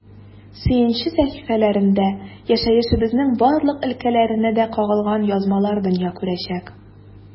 “сөенче” сәхифәләрендә яшәешебезнең барлык өлкәләренә дә кагылган язмалар дөнья күрәчәк.